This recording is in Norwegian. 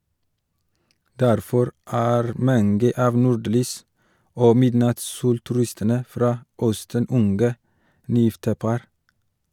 Derfor er mange av nordlys- og midnattssolturistene fra Østen unge, nygifte par.